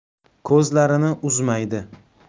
ko'zlarini uzmaydi